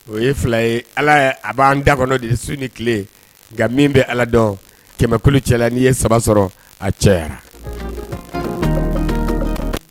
O ye fila ye ala ye a b'an dakɔnɔ de su ni tile nka min bɛ ala dɔn kɛmɛkolon cɛlala n'i ye saba sɔrɔ a cɛyara